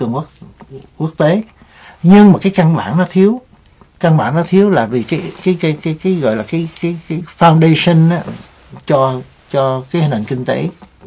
cường quốc quốc tế nhưng mà cái căn bản nó thiếu căn bản nó thiếu là vì cái cái cái cái cái gọi là cái cái cái bao đây sưn á cho cho cái nền kinh tế